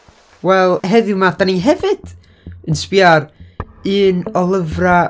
Wel, heddiw 'ma, dan ni hefyd yn sbio ar un o lyfrau